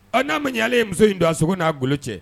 Ɔ n'a ma y'ale ye muso in don a sogo n'a bolo cɛ